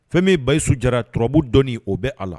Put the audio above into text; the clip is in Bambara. Fɛn min Bayusu Jara turabu dɔnni o bɛ a la